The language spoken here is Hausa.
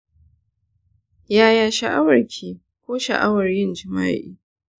yaya sha'awarki ko sha'awar yin jima'i?